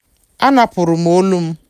A napụrụ m olu m!